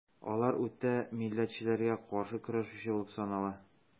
Алар үтә милләтчеләргә каршы көрәшүче булып санала.